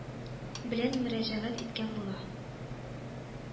Белән мөрәҗәгать иткән була